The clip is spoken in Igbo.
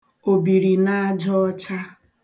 òbìrìnaajaọcha